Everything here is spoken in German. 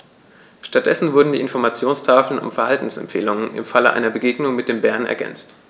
Stattdessen wurden die Informationstafeln um Verhaltensempfehlungen im Falle einer Begegnung mit dem Bären ergänzt.